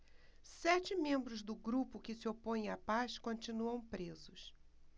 sete membros do grupo que se opõe à paz continuam presos